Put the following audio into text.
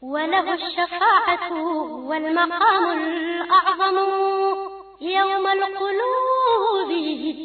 Wa ɲama